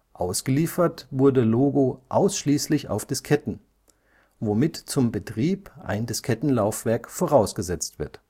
Ausgeliefert wurde Logo ausschließlich auf Disketten, womit zum Betrieb ein Diskettenlaufwerk vorausgesetzt wird